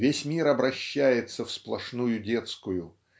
Весь мир обращается в сплошную детскую.